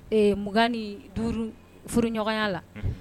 Ee 25 furu ɲɔgɔnya la.